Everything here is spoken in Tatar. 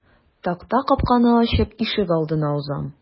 Такта капканы ачып ишегалдына узам.